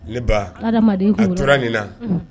Ne ba a tora nin na